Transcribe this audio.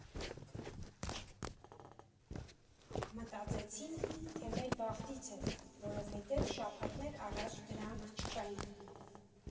Մտածեցինք, թե մեր բախտից է, որովհետև շաբաթներ առաջ դրանք չկային։